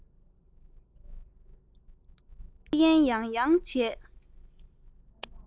འཆར ཡན ཡང ཡང བྱས